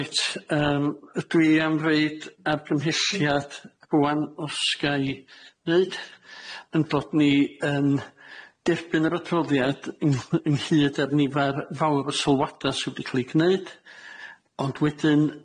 Reit yym a dw i am reid argymhelliad rŵan os ga i neud 'yn bod ni yn derbyn yr adroddiad yng- ynghyd â'r nifer fawr o sylwada sydd wedi ca'l i gneud ond wedyn